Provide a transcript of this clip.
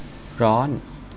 ร้อน